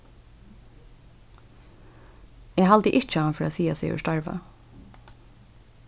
eg haldi ikki at hann fer at siga seg úr starvi